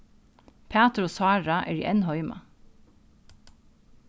pætur og sára eru enn heima